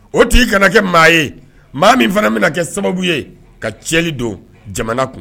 O t kana kɛ maa ye maa min fana bɛna kɛ sababu ye ka cɛli don jamana kun